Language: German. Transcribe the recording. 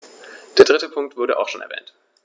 Der dritte Punkt wurde auch schon erwähnt.